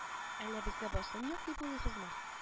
Әллә безгә басым юк дип уйлыйсызмы